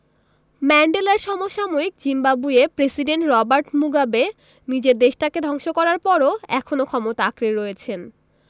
ম্যান্ডেলার সমসাময়িক জিম্বাবুয়ের প্রেসিডেন্ট রবার্ট মুগাবে নিজের দেশটাকে ধ্বংস করার পরও এখনো ক্ষমতা আঁকড়ে রয়েছেন